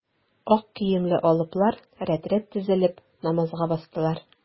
Ак киемле алыплар рәт-рәт тезелеп, намазга бастылар.